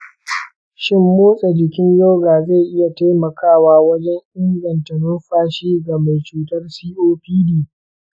shin motsa jikin yoga zai iya taimakawa wajen inganta numfashi ga mai cutar copd?